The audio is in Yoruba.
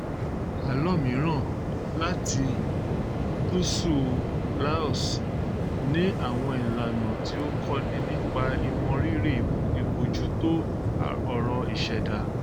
Àlọ́ mìíràn láti gúúsù Laos ní àwọn ìlànà tí ó kọ́ni nípa ìmọrírìi ìbójútó ọrọ̀ ìṣẹ̀dá: